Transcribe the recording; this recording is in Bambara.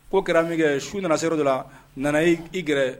Ko kɛra min kɛ , su nana se yɔrɔ dɔ la Nana ye i gɛrɛ.